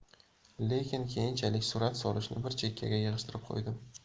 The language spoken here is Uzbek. lekin keyinchalik surat solishni bir chekkaga yig'ishtirib qo'ydim